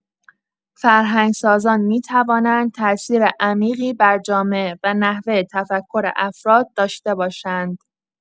فرهنگ‌سازان می‌توانند تاثیر عمیقی بر جامعه و نحوه تفکر افراد داشته باشند.